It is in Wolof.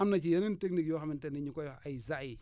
am na ci yeneen technique yoo xamante ne niñu koy wax ay *